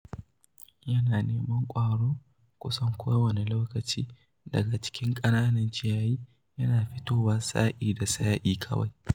Yana neman ƙwaro kusan kowane lokaci daga cikin ƙananan ciyayi, yana fitowa sa'i da sa'i kawai.